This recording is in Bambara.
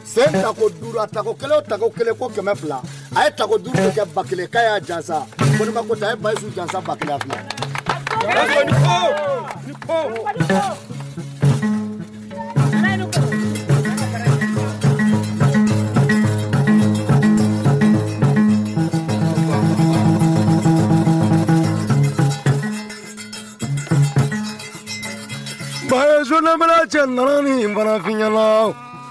Sen tako a takɔ kelen takɔ kelen ko kɛmɛ fila a ye takɔ ba kelen y' jansa a jansa ba fila ba cɛfin